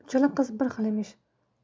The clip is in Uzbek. uchala qiz bir xil emish